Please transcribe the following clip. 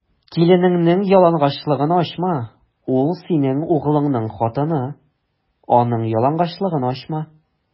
Киленеңнең ялангачлыгын ачма: ул - синең углыңның хатыны, аның ялангачлыгын ачма.